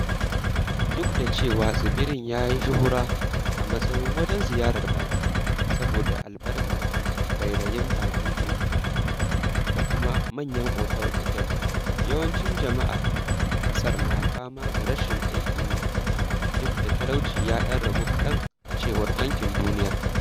Duk da kasancewar tsibirin ya yi shuhura a matsayin wajen ziyarar baƙi saboda albarkar rairayin bakin teku da kuma manyan otal-otal, yawancin jama'ar ƙasar na fama da rashin aikin yi duk da cewa talauci ya ɗan ragu kaɗan, a cewar Bankin Duniya.